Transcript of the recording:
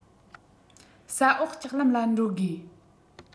ས འོག ལྕགས ལམ ལ འགྲོ དགོས